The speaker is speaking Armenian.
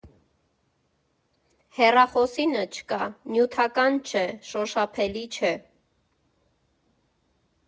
Հեռախոսինը՝ չկա, նյութական չէ, շոշափելի չէ։